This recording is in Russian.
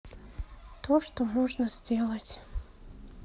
то что можно сделать